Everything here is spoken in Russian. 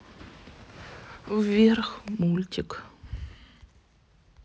вверх мультик